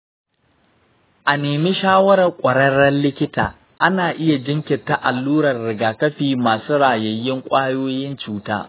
a nemi shawarar ƙwararren likita. ana iya jinkirta alluran rigakafi masu rayayyun ƙwayoyin cuta.